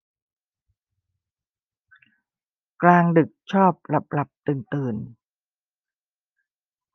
กลางดึกชอบหลับหลับตื่นตื่น